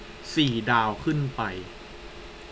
สี่ดาวขึ้นไป